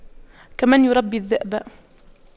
كمن يربي الذئب